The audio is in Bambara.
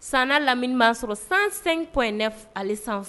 San lamini'a sɔrɔ sansen kɔ in de ani san